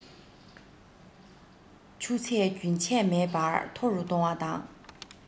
ཆུ ཚད རྒྱུན ཆད མེད པར མཐོ རུ གཏོང བ དང